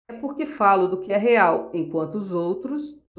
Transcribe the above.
é porque falo do que é real enquanto os outros